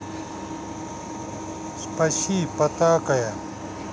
спаси потакая